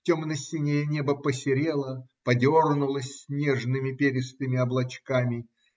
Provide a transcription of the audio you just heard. Темно-синее небо посерело, подернулось нежными перистыми облачками